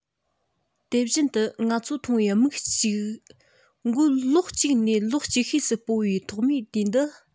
དེ བཞིན དུ ང ཚོའི མཐོང བའི མིག གཅིག མགོའི ལོགས གཅིག ནས ལོགས ཅིག ཤོས སུ སྤོ པའི ཐོག མའི དུས འདི